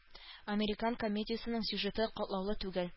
«американ» комедиясенең сюжеты катлаулы түгел.